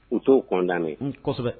U t'o condamner kosɛbɛ!